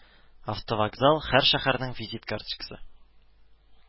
Автовокзал һәр шәһәрнең визит карточкасы